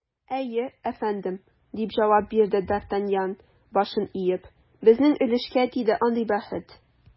Әйе, әфәндем, - дип җавап бирде д’Артаньян, башын иеп, - безнең өлешкә тиде андый бәхет.